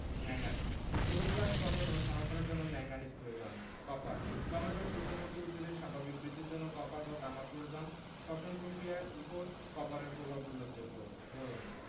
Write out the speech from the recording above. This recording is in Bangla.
ম্যাংগানিজ ক্লোরোপ্লাস্ট গঠন ও সংরক্ষণের জন্য ম্যাংগানিজ প্রয়োজন কপার টমেটো সূর্যমুখী উদ্ভিদের স্বাভাবিক বৃদ্ধির জন্য কপার বা তামার প্রয়োজন শ্বসন পক্রিয়ার উপরও কপারের প্রভাব উল্লেখযোগ্য বোরন